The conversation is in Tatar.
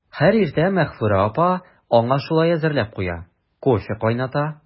Һәр иртә Мәгъфүрә апа аңа шулай әзерләп куя, кофе кайната.